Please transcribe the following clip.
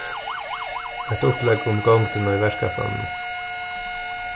eitt upplegg um gongdina í verkætlanini